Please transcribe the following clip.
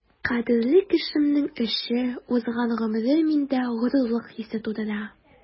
Кадерле кешемнең эше, узган гомере миндә горурлык хисе тудыра.